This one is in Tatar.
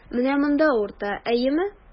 Менә монда авырта, әйеме?